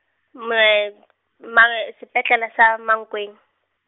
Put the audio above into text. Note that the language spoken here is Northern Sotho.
mare sepetlele sa Mankweng.